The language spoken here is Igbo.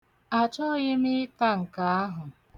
Achọghị m ịta nke ahụ.